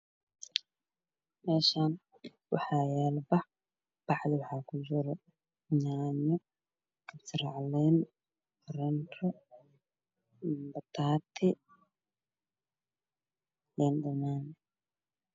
Meshaan wax yalo bac bacda wax ku jiro yaanyo kabsar caleen barandho batati liin dhanan